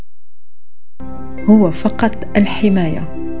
هو فقط الحمايه